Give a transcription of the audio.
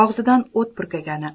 og'zidan o't purkagani